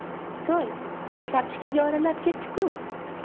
toy qo'y kartishkaga oralab ketdi ku